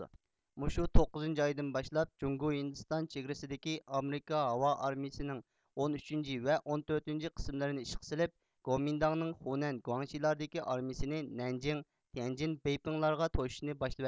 مۇشۇ توققۇزىنچى ئايدىن باشلاپ جۇڭگو ھىندىستان چېگرىسىدىكى ئامېرىكا ھاۋا ئارمىيىسىنىڭ ئون ئۈچىنچى ۋە ئون تۆتىنچى قىسىملىرىنى ئىشقا سېلىپ گومىنداڭنىڭ خۇنەن گۇاڭشىلاردىكى ئارمىيىسىنى نەنجىڭ تيەنجىن بېيپىڭلارغا توشۇشنى باشلىۋەتتى